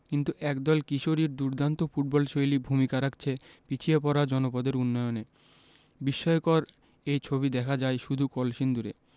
কিন্তু একদল কিশোরীর দুর্দান্ত ফুটবলশৈলী ভূমিকা রাখছে পিছিয়ে পড়া জনপদের উন্নয়নে বিস্ময়কর এই ছবি দেখা যায় শুধু কলসিন্দুরে